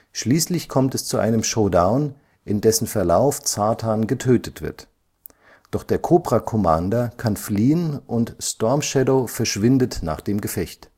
Schließlich kommt es zu einem Showdown, in dessen Verlauf Zartan getötet wird. Doch der Cobra Commander kann fliehen und Storm Shadow verschwindet nach dem Gefecht